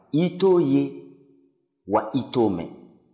i t'o ye wa i t'o mɛn